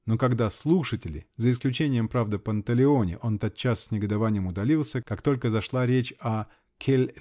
но когда слушатели (за исключением, правда, Панталеоне: он тотчас с негодованием удалился, как только зашла речь о ёце!